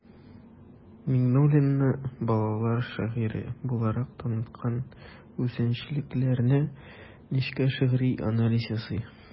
Миңнуллинны балалар шагыйре буларак таныткан үзенчәлекләренә нечкә шигъри анализ ясый.